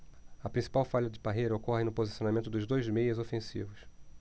a principal falha de parreira ocorre no posicionamento dos dois meias ofensivos